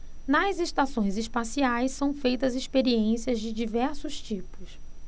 nas estações espaciais são feitas experiências de diversos tipos